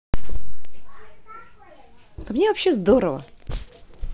да мне вообще здорово